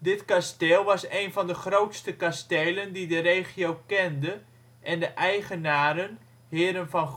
Dit kasteel was een van de grootste kastelen die de regio kende en de eigenaren (Heren van